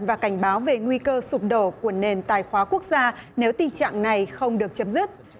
và cảnh báo về nguy cơ sụp đổ của nền tài khóa quốc gia nếu tình trạng này không được chấm dứt